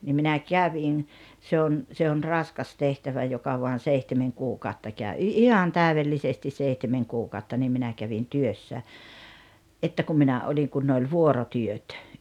niin minä kävin se on se on raskas tehtävä joka vain seitsemän kuukautta käy - ihan täydellisesti seitsemän kuukautta niin minä kävin työssä että kun minä olin kun ne oli vuorotyöt